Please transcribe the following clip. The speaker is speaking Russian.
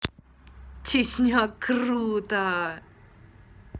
чечня круто